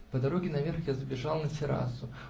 По дороге наверх я забежал на террасу.